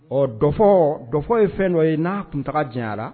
Ɔ dɔfɔ , dɔfɔ ye fɛn dɔ ye; n'a kunaala jayana